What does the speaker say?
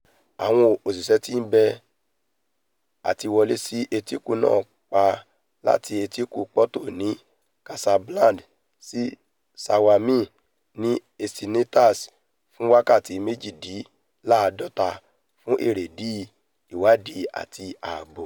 Àwọn òṣìṣẹ́ ti ibi àtiwọlé sí etíkun náà pa láti Etíkun Ponto ní Casablad sí Swami ní Ecinitas fún wákàtí méjìdínláàdọ́ta fún èrèdí ìwáàdí àti ààbó.